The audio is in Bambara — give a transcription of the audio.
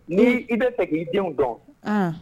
Ni i bɛ i denw dɔn